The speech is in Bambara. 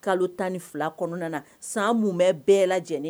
Kalo 12 kɔnɔna na san mumɛ bɛɛ lajɛlen